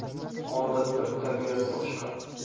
odat bir tabiat boshqa